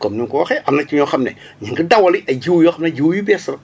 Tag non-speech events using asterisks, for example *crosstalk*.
comme ni mu ko waxee am na ci ñoo xam ne *breath* ñu ngi dawali ay jiw yoo xam ne jiw yu bees la